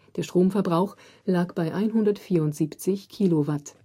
Der Stromverbrauch lag bei 174 kW